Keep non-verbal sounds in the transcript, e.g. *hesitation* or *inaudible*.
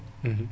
*hesitation* *hesitation*